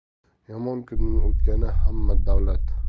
yomon kunning o'tgani ham davlat